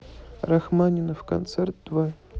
рахманинов концерт два